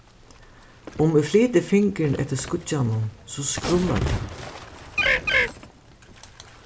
um eg flyti fingurin eftir skíggjanum so skrullar tað